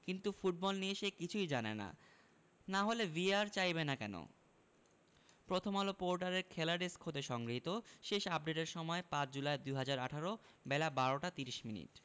কিন্তু ফুটবল নিয়ে সে কিছুই জানে না না হলে ভিএআর চাইবে না কেন প্রথমআলো পোর্টালের খেলা ডেস্ক হতে সংগৃহীত শেষ আপডেটের সময় ৫ জুলাই ২০১৮ বেলা ১২টা ৩০মিনিট